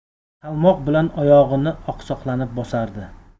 salmoq bilan oyog'ini oqsoqlanib bosardi